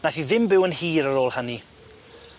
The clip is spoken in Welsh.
Nath hi ddim byw yn hir ar ôl hynny.